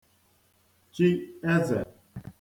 -chi ezè